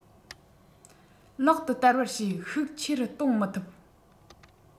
ལག ཏུ བསྟར བར བྱེད ཤུགས ཆེ རུ གཏོང མི ཐུབ